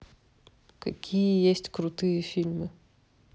какие есть крутые фильмы